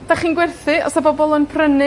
'Dych chi'n gwerthu... O's 'na bobol yn prynu...